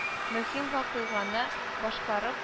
Мөһим вакыйганы башкарып